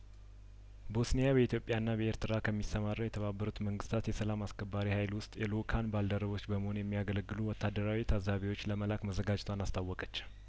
ቦስኒያ በኢትዮጵያ ና በኤርትራ ከሚሰማራው የተባበሩት መንግስታት የሰላም አስከባሪ ሀይል ውስጥ የልኡካን ባልደረቦች በመሆን የሚያገለግሉ ወታደራዊ ታዛቢዎች ለመላክ መዘጋጀቷን አስታወቀች